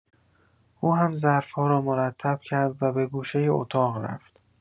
او هم ظرف‌ها را مرتب کرد و به گوشه اطاق رفت.